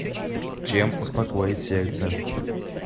чем успокоить сердце